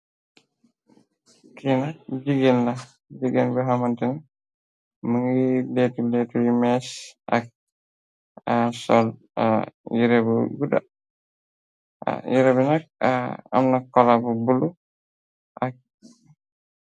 ki nak jigeen na jigeen bi xamantin mëngiy leetu leetuyu mees. Ak sol yërebinak amna kolabu bulu ak.